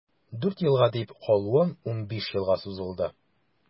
Дүрт елга дип калуым унбиш елга сузылды.